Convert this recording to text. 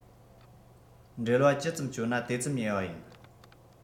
འབྲེལ བ ཇི ཙམ བསྐྱོད ན དེ ཙམ ཉེ བ ཡིན